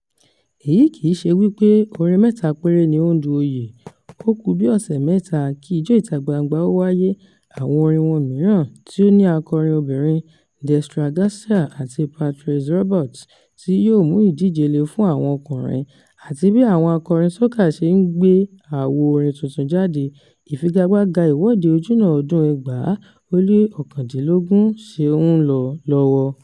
Èyí kì í ṣe wípé orin mẹ́ta péré ni ó ń du oyè. Ó ku bí ọ̀sẹ̀ mẹ́ta kí Ijó ìta-gbangba ó wáyé, àwọn orin wọn mìíràn — tí ó ní akọrin obìrin Destra Garcia àti Patrice Roberts —tí yóò mú ìdíje le fún àwọn ọkùnrin, àti bí àwọn akọrin soca ṣì ń gbé àwo orin tuntun jáde, ìfigagbága Ìwọ́de Ojúnà ọdún-un 2019 ṣì ń lọ lọ́wọ́.